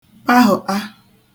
pahụ̀ṭa